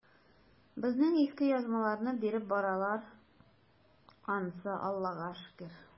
Безнең иске язмаларны биреп баралар ансы, Аллага шөкер.